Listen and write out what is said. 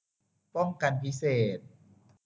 ป้องกันพิเศษ